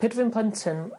Pryd fi'n plentyn